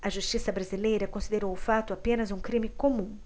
a justiça brasileira considerou o fato apenas um crime comum